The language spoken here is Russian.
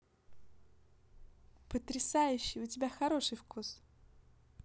потрясающий у тебя хороший вкус